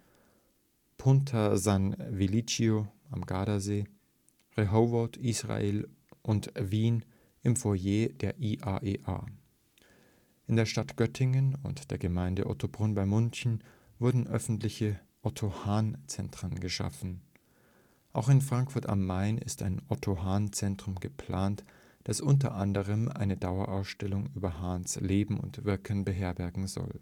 Punta San Vigilio (Gardasee), Rehovot (Israel) und Wien (im Foyer der IAEA). In der Stadt Göttingen und der Gemeinde Ottobrunn (bei München) wurden öffentliche Otto-Hahn-Zentren geschaffen. Auch in Frankfurt am Main ist ein Otto-Hahn-Zentrum geplant, das unter anderem eine Dauerausstellung über Hahns Leben und Wirken beherbergen soll